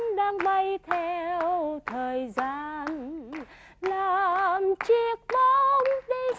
đang bay theo thời gian làm chiếc bóng